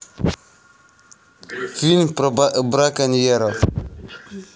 фильмы про браконьеров